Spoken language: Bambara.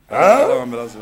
Aa ,Ala k'an bɛ la